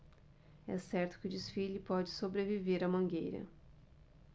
é certo que o desfile pode sobreviver à mangueira